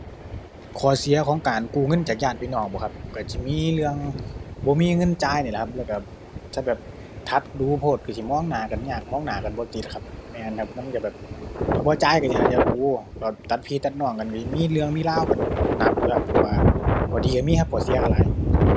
ข้อเสียของการกู้เงินจากญาติพี่น้องบ่ครับ ก็จิมีเรื่องบ่มีเงินจ่ายนี่ล่ะครับ แล้วก็ถ้าแบบถัดดู๋โพดก็สิมองหน้ากันยาก มองหน้ากันบ่ติดครับ แม่นครับ มันก็แบบ ถ้าบ่จ่ายก็น่าจะ โอ้ ตัด ตัดพี่ตัดน้องกันอีก มีเรื่องมีราวก็หนักอยู่ครับ ผมว่า ข้อดีก็มีครับ ข้อเสียก็หลาย